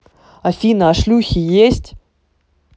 афина а шлюхи есть